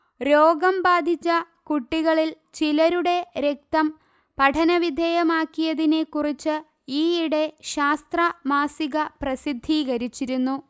രോഗം ബാധിച്ച കുട്ടികളിൽ ചിലരുടെ രക്തം പഠന വിധേയമാക്കിയതിനെ കുറിച്ച് ഈയിടെ ശാസ്ത്ര മാസിക പ്രസിദ്ധീകരിച്ചിരുന്നു